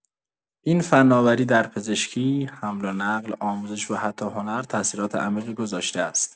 این فناوری در پزشکی، حمل‌ونقل، آموزش و حتی هنر تاثیرات عمیقی گذاشته است.